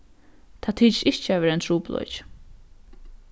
tað tykist ikki at vera ein trupulleiki